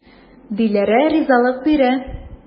Диләрә ризалык бирә.